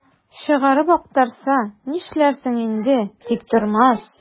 Чыгарып актарса, нишләрсең инде, Тиктормас?